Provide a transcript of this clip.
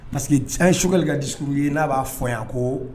Parceseke ye sokɛkali ka diurun ye n'a b'a fɔ yan ko